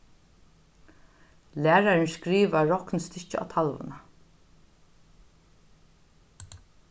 lærarin skrivar roknistykkið á talvuna